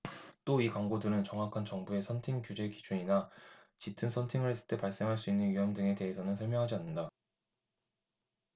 또 이 광고들은 정확한 정부의 선팅 규제 기준이나 짙은 선팅을 했을 때 발생할 수 있는 위험 등에 대해서는 설명하지 않는다